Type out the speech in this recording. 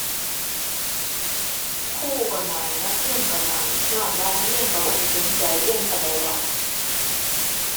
ครูก็น้อย นักเรียนก็น้อย ญ้อนว่านักเรียนก็บ่ได้สนใจเรียนปานใดดอก